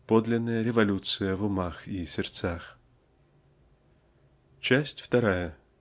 подлинная революция в умах и сердцах. Часть вторая.